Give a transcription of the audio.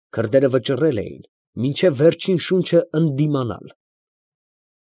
Քրդերը վճռել էին մինչև վերջին շունչը ընդդիմանալ։